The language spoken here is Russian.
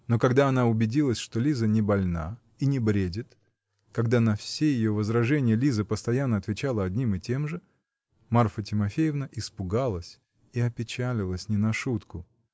Но когда она убедилась, что Лиза небольна и не бредит, когда на все ее возраженья Лиза постоянно отвечала одним и тем же, Марфа Тимофеевна испугалась и опечалилась не на шутку.